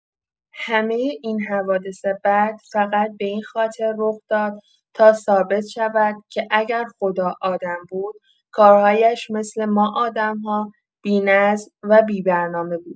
همه این حوادث بد فقط به این خاطر رخ داد تا ثابت شود که اگر خدا آدم بود، کارهایش مثل ما آدم‌ها بی‌نظم و بی‌برنامه بود.